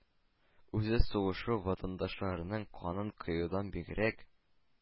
– үзе сугышу, ватандашларының канын коюдан бигрәк,